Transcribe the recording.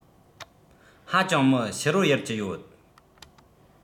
ཧ ཅང མི ཕྱི རོལ ཡུལ གྱི ཡོད